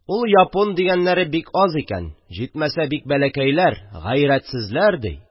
Ул япун дигәннәре бик аз икән, җитмәсә, бик бәләкәйләр, гайрәтсезләр ди.